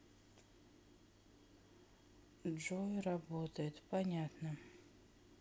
джой работает понятно